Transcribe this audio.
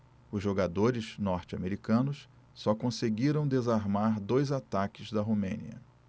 os jogadores norte-americanos só conseguiram desarmar dois ataques da romênia